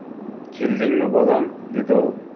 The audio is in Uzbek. keldingmi bolam dedi u